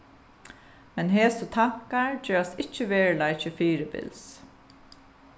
men hesir tankar gerast ikki veruleiki fyribils